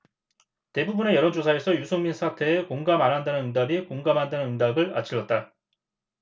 대부분의 여론조사에서 유승민 사퇴에 공감 안 한다는 응답이 공감한다는 응답을 앞질렀다